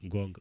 gonga